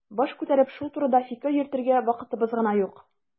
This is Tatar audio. Баш күтәреп шул турыда фикер йөртергә вакытыбыз гына юк.